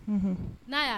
Un n'a